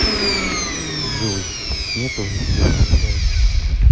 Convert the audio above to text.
джой мне тоже тебе не хватает